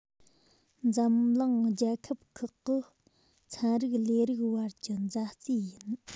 འཛམ གླིང རྒྱལ ཁབ ཁག གི ཚན རིག ལས རིགས བར གྱི མཛའ བརྩེའི ཡིན